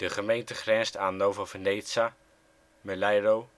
gemeente grenst aan Nova Veneza, Meleiro